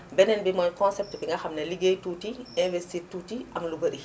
beneen bi mooy concept bi nga xam ni mooy liggéey tuuti investir tuuti am lu bari